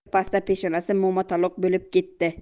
birpasda peshonasi momataloq bo'lib ketdi